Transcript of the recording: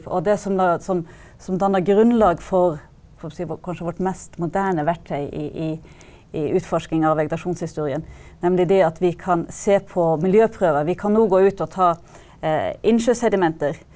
og det som da som som danner grunnlag for for si vår kanskje vårt mest moderne verktøy i i i utforsking av vegetasjonshistorien, nemlig det at vi kan se på miljøprøver, vi kan nå gå ut og ta innsjøsedimenter.